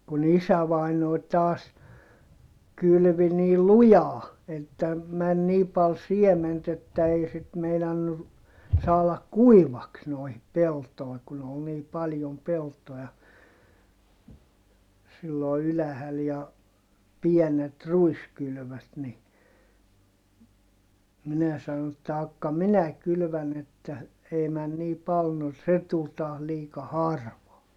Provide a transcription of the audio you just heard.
kun isävainaja taas kylvi niin lujaa että meni niin paljon siementä että ei sitten meinannut saada kuivaksi noihin peltoihin kun oli niin paljon peltoja silloin ylhäällä ja pienet ruiskylvöt niin minä sanoin että jahka minä kylvän että ei mene niin paljon no se tuli taas liika harvaa